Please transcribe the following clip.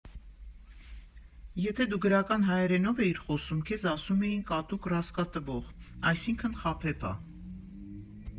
Եթե դու գրական հայերենով էիր խոսում, քեզ ասում էին «կատու կռասկա տվող», այսինքն՝ «խաբեբա»։